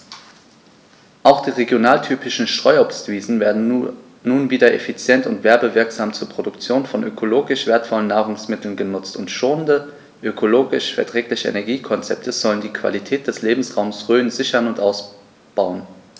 Auch die regionaltypischen Streuobstwiesen werden nun wieder effizient und werbewirksam zur Produktion von ökologisch wertvollen Nahrungsmitteln genutzt, und schonende, ökologisch verträgliche Energiekonzepte sollen die Qualität des Lebensraumes Rhön sichern und ausbauen.